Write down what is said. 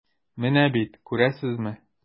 Менә бит, күрәсезме.